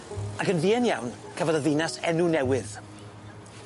Ac yn fuan iawn cafodd y ddinas enw newydd.